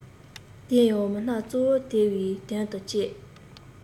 དེ ཡང མི སྣ གཙོ བོ དེ འི དོན དུ ལྕེབས